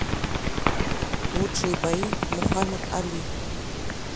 лучшие бои мухаммед али